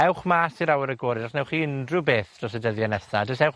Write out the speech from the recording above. Ewch mas i'r awyr agored. Os newch chi unryw beth dros y dyddiau nesa, jys ewch